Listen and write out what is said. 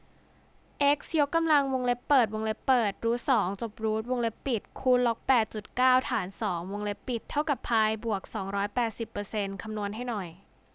เอ็กซ์ยกกำลังวงเล็บเปิดวงเล็บเปิดรูทสองจบรูทวงเล็บปิดคูณล็อกแปดจุดเก้าฐานสองวงเล็บปิดเท่ากับพายบวกสองร้อยแปดสิบเปอร์เซ็นต์คำนวณให้หน่อย